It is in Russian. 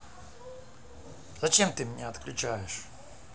зачем ты меня отключаешь